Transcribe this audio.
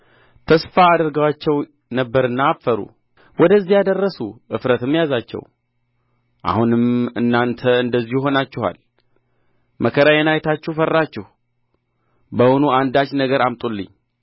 ተስፋ አድርገዋቸው ነበርና አፈሩ ወደዚያ ደረሱ እፍረትም ያዛቸው አሁንም እናንተ እንደዚሁ ሆናችኋል መከራዬን አይታችሁ ፈራችሁ በውኑ አንዳች ነገር አምጡልኝ